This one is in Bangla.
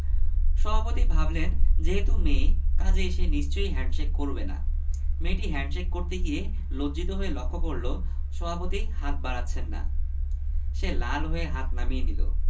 পুরস্কার বিতরণী অনুষ্ঠান কি আপনারা কখনো মন দিয়ে লক্ষ্য করেছেন ঠিক আছে দৃশ্যটি কল্পনা করুন গুরুগম্ভীর একজন সভাপতি পুরস্কার দিচ্ছেন পুরস্কার নিচ্ছে একটি তরুণী